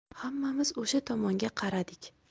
hammamiz o'sha tomonga qaradik